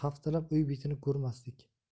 haftalab uy betini ko'rmasdik